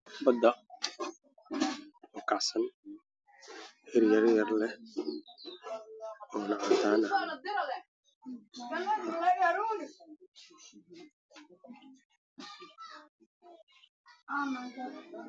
Waa badda oo kacsan hirar yar yar leh